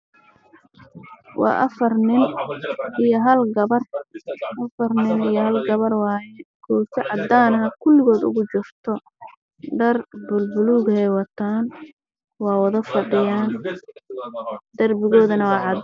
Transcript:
Meeshaan waxaa ka muuqdo afar nin iyo hal gabar